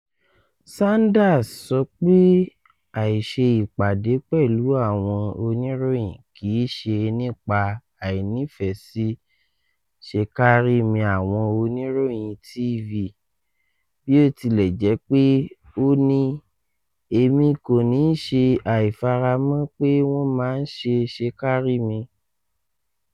Sanders sọ pé àìse ìpàdé pẹ̀lú àwọn oníròyìn kí ṣe nípà àìnífẹ́sí “ṣekárími” àwon oníròyìn TV, bíótilẹ̀jẹ́pé ó ní̀: "Emí kò ní ṣe àìfaramọ́ pé wọ́n máa ń ṣe ṣekárími.”